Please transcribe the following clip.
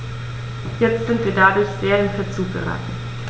Jetzt sind wir dadurch sehr in Verzug geraten.